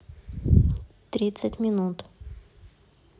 тридцать минут